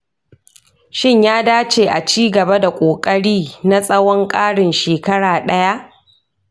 shin ya dace a ci gaba da ƙoƙari na tsawon ƙarin shekara ɗaya?